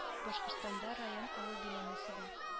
Башкортстанда район авыл биләмәсе бар